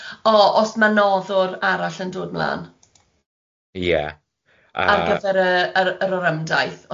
O, os ma' noddwr arall yn dod mlan. Ie. Ar gyfer yyy yr yr orymdaith.